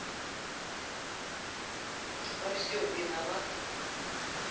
во всем виноват